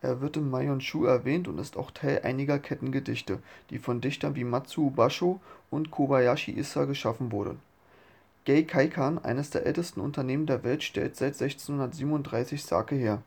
er wird im Manyoshu erwähnt und ist auch Teil einiger Kettengedichte, die von Dichtern wie Matsuo Bashō und Kobayashi Issa geschaffen wurden. Gekkeikan als eines der ältesten Unternehmen der Welt stellt seit 1637 Sake her